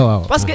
wawaw